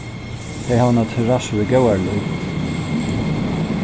tey hava eina terassu við góðari lívd